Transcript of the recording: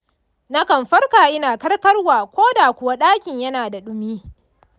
nakan farka ina karkarwa ko da kuwa dakin yana da ɗumi.